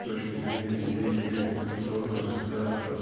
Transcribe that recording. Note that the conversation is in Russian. с точки зрения идеи конституционного государства